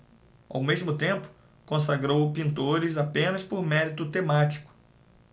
ao mesmo tempo consagrou pintores apenas por mérito temático